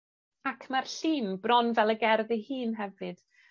Ac ma'r llun bron fel y gerdd ei hun hefyd